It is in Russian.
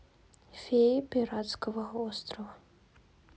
феи пиратского острова